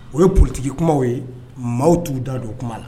O ye politique kumaw ye maaw t'u da don o kuma la.